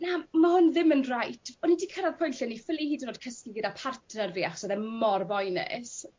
na ma' hwn ddim yn reit o'n i 'di cyrradd pwynt lle o'n i ffili hyd yn o'd cysgu gyda partner fi achos o'dd e mor boenus